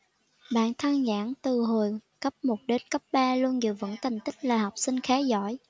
bản thân nhãn từ hồi cấp một đến cấp ba luôn giữ vững thành tích là học sinh khá giỏi